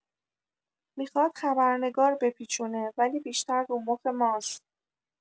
میخاد خبرنگار بپیچونه ولی بیشتر رو مخ ماس